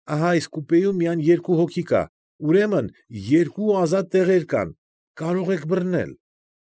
Ահա այս կուպեում միայն երկու հոգի կա, ուրեմն, երկու ազատ տեղեր կան, կարող եք բռնել։